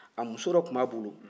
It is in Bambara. a muso dɔ tun b'a bolo